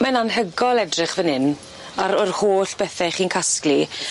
Mae'n anhygol edrych fyn 'yn ar yr holl bethe chi'n casglu.